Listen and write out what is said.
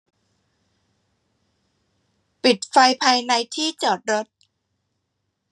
ปิดไฟภายในที่จอดรถ